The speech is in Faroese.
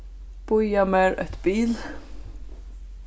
bíða mær eitt bil